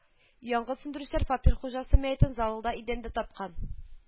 Янгын сүндерүчеләр фатир хуҗасы мәетен залда идәндә тапкан